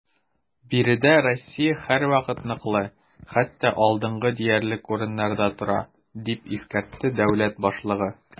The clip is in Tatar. Биредә Россия һәрвакыт ныклы, хәтта алдынгы диярлек урыннарда тора, - дип искәртте дәүләт башлыгы.